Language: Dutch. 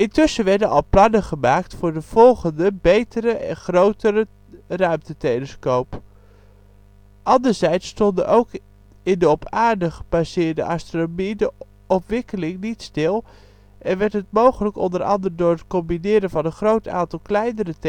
werden al plannen gemaakt voor de volgende, betere en grote ruimtetelescoop; anderzijds stonden ook in de op aarde gebaseerde astronomie de ontwikkelingen niet stil en werd het mogelijk, o.a. door het combineren van een groot aantal kleinere